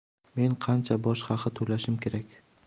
men qancha boj haqi to'lashim kerak